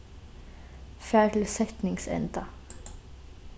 far til setningsenda